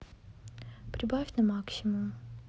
прибавь на максимум